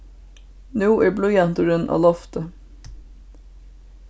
nú er blýanturin á lofti